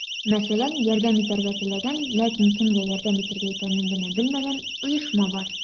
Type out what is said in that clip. Мәсәлән, ярдәм итәргә теләгән, ләкин кемгә ярдәм итергә икәнен генә белмәгән оешма бар.